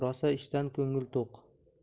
rosa ishdan ko'ngil to'q